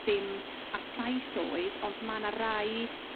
dim a saith oed ond ma' 'na rai